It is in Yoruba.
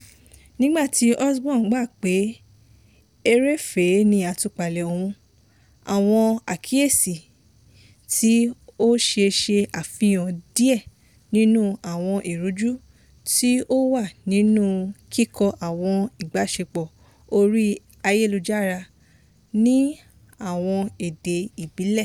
Nígbà tí Osborn gbà pé èrèfèé ni àtúpalẹ̀ òun, àwọn àkíyèsí tí ó ṣe ṣe àfihàn díẹ̀ nínú àwọn ìrújú tí ó wà nínú kíkọ́ àwọn ìbáṣepọ̀ orí ayélujára ní àwọn èdè ìbílẹ̀.